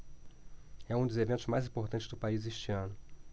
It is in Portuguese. é um dos eventos mais importantes do país este ano